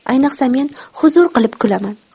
ayniqsa men huzur qilib kulaman